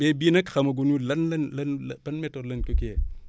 te bii nag xamaguñu lan lan lan ban méthode lan ko kiyee